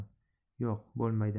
yo'q bo'lmaydi